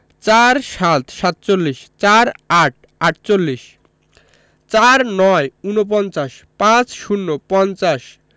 ৪৭ সাতচল্লিশ ৪৮ আটচল্লিশ ৪৯ উনপঞ্চাশ ৫০ পঞ্চাশ